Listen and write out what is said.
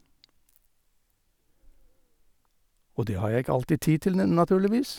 Og det har jeg ikke alltid tid til, ne naturligvis.